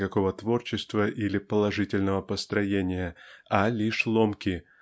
никакого творчества или положительного построения а лишь ломки